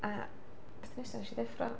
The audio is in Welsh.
A. Peth nesaf nes i ddeffro.